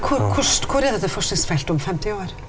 hvor hvor er dette forskningsfeltet om 50 år?